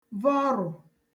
vọrụ̀